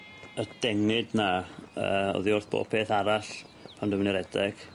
Y dengid 'na yy oddi wrth bob peth arall pan dwi'n myn' i redeg.